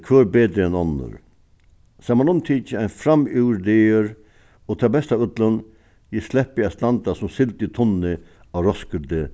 hvør betri enn onnur samanumtikið ein framúr dagur og tað besta av øllum eg sleppi at standa sum sild í tunnu á roskilde